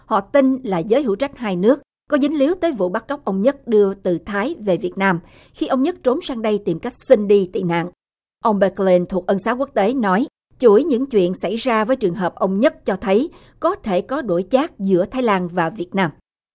họ tin là giới hữu trách hai nước có dính líu tới vụ bắt cóc ông nhất đưa từ thái về việt nam khi ông nhất trốn sang đây tìm cách xin đi tị nạn ông bơ cờ len thuộc ân xá quốc tế nói chuỗi những chuyện xảy ra với trường hợp ông nhất cho thấy có thể có đổi chác giữa thái lan và việt nam